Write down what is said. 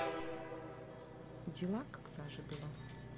дела как сажа бела